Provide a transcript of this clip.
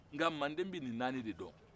nka mande bɛ ni naani